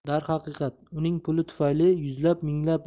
darhaqiqat uning puli tufayli yuzlab minglab